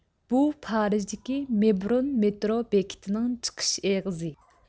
بۇ پارىژدىكى مېبرون مېترو بېكىتىنىڭ چىقىش ئېغىزى